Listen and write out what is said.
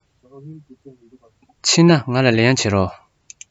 ཕྱིན ན ང ལ ལན བྱིན རོགས